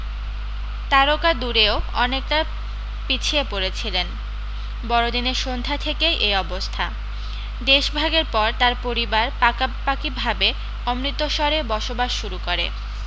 তারকা দুড়েও অনেকটা পিছিয়ে পড়েছিলেন বড়দিনের সন্ধ্যা থেকেই এই অবস্থা দেশভাগের পর তার পরিবার পাকাপাকি ভাবে অমৃতসরে বসবাস শুরু করে